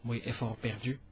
muy effort perdu